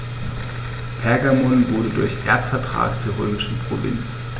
Pergamon wurde durch Erbvertrag zur römischen Provinz.